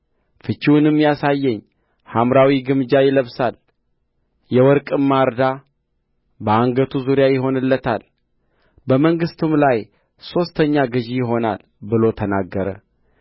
ፍቺውንም ያሳየኝ ሐምራዊ ግምጃ ይለብሳል የወርቅም ማርዳ በአንገቱ ዙርያ ይሆንለታል በመንግሥትም ላይ ሦስተኛ ገዥ ይሆናል ብሎ ተናገረ